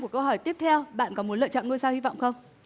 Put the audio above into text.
của câu hỏi tiếp theo bạn có muốn lựa chọn ngôi sao hy vọng không